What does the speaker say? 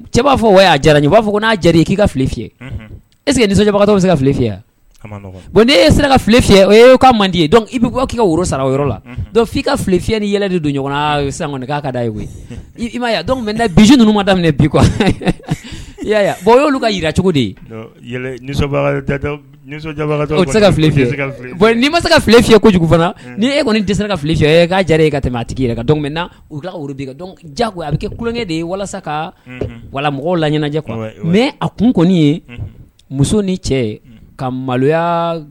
Cɛ'aaa ye'i ma se kale fiye kojugu fana ni e kɔni tɛse ka fili fi ye'a ye ka tɛmɛ a tigi ka min jago a bɛ kɛ tulonkɛ de ye walasa ka wala mɔgɔw la ɲɛnajɛ kɔnɔ mɛ a kun kɔni ye muso ni cɛ ka maloya